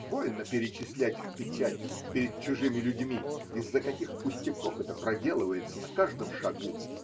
Больно перечислять в печати, пред чужими людьми, из-за каких пустяков это проделывается на каждом шагу.